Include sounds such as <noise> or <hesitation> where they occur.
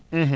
<hesitation> <hesitation>